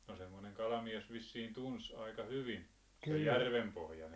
no semmoinen kalamies vissiin tunsi aika hyvin sen järvenpohjan